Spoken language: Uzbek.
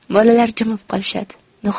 bolalar jimib qolishadi